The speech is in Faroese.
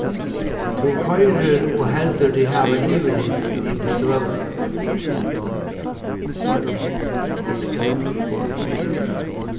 tú koyrir og heldur teg hava yvirlit yvir støðuna